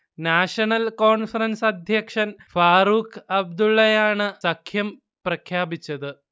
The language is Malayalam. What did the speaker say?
നാഷണൽ കോൺഫറൻസ് അധ്യക്ഷൻ ഫാറൂഖ് അബ്ദുള്ളയാണ് സഖ്യം പ്രഖ്യാപിച്ചത്